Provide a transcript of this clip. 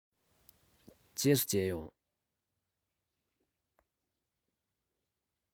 རྗེས སུ མཇལ ཡོང